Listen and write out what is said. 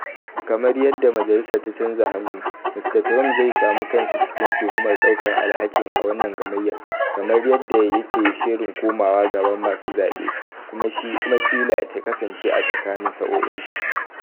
idan har majilisar ta chanza hannu, Mr. Trump zai samu kanshi cikin tuhumar daukar alhakin a wannan gamayyar, kamar yadda yake shirin komawa gaban masu zabe, kuma kila ta kasance a tsakanin sa’oin shi.